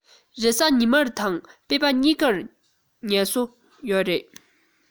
རེས གཟའ ཉི མ དང སྤེན པ གཉིས ཀར ངལ གསོ ཡོད རེད